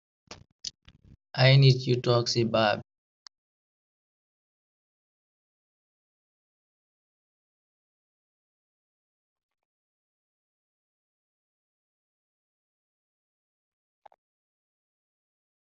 I nit yu tok si baa.